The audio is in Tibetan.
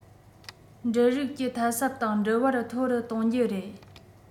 འབྲུ རིགས ཀྱི ཐད གསབ དང འབྲུ བར མཐོ རུ གཏོང རྒྱུ རེད